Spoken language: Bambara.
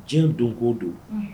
Diɲɛ don' don